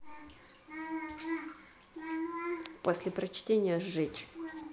после прочтения сжечь